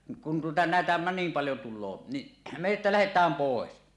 kun tuota näitä niin paljon tulee niin me että lähdetään pois